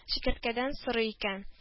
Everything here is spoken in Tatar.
Чикерткәдән сорый икән: